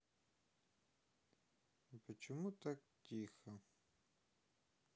а почему так тихо